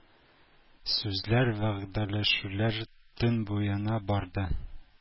Сүзләр, вәгъдәләшүләр төн буена барды.